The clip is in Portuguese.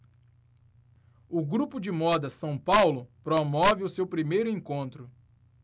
o grupo de moda são paulo promove o seu primeiro encontro